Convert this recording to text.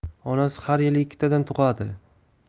onasi har yili ikkitadan tug'adi